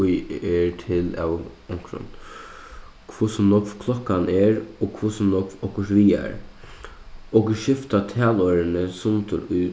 ið er til av onkrum hvussu nógv klokkan er og hvussu nógv okkurt vigar okur skifta talorðini sundur í